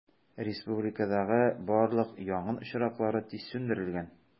Республикадагы барлык янгын очраклары тиз сүндерелгән.